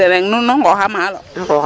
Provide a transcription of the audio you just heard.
So ndiig ne ren nu nqooxa maalo .